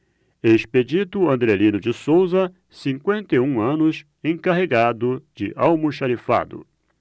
expedito andrelino de souza cinquenta e um anos encarregado de almoxarifado